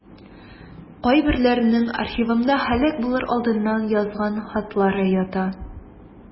Кайберләренең архивымда һәлак булыр алдыннан язган хатлары ята.